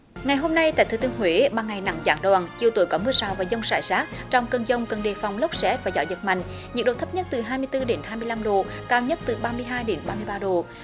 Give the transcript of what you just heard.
ngày hôm nay tại thừa thiên huế ban ngày nắng gián đoạn chiều tối có mưa rào và dông rải rác trong cơn dông cần đề phòng lốc sét và gió giật mạnh nhiệt độ thấp nhất từ hai mươi tư đến hai mươi lăm độ cao nhất từ ba mươi hai đến ba mươi ba độ